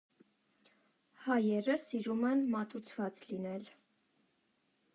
Հայերը սիրում են «մատուցված» լինել։